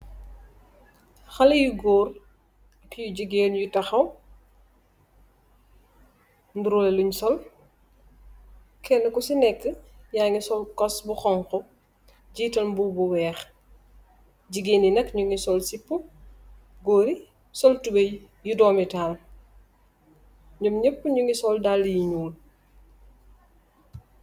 Khaleh yu goor teyeh gigeen yu takhaw nyuro lunj sul Keni kusi nekuh yange cuss bu xhong khu metal mbobu bu wekh gigeen yi nak nyunge sul sipuh gorr yi tubey bu dume taal nyum nyep nyunge sul dalah yu nyull